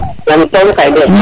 jam soom kay